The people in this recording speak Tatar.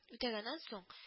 Үтәгәннән соң